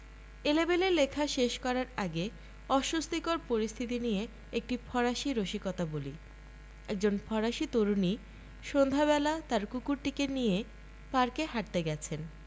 এলেবেলে লেখা শেষ করার আগে অস্বস্তিকর পরিস্থিতি নিয়ে একটি ফরাসি রসিকতা বলি একজন ফরাসি তরুণী সন্ধ্যাবেলা তার কুকুরটিকে নিয়ে পার্কে হাঁটতে গেছেন